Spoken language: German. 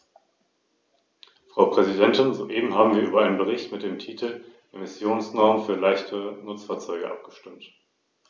Drittens möchte ich anmerken, dass wir mit den Leitlinien im großen und ganzen einverstanden sind, soweit sie nicht von unseren Bemerkungen abweichen.